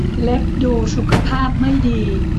เล็บดูสุขภาพไม่ดี